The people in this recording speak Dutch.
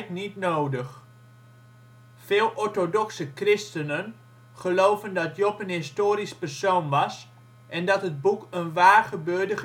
niet nodig. Veel orthodoxe christenen geloven dat Job een historisch persoon was en dat het boek een waar gebeurde